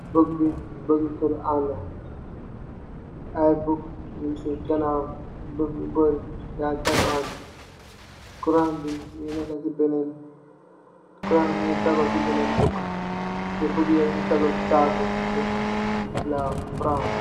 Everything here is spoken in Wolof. Bug bi bug i khur'an la, ay bug ñun si ganaawam, bug yu bari, khur'an bi, mu ngi teggu si bénen bug, të bug yi yöop ñu ngi teggu si taabul bi.